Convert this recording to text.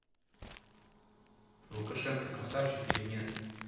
лукашенко красавчик или нет